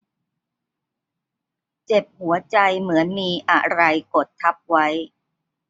เจ็บหัวใจเหมือนมีอะไรมีกดทับไว้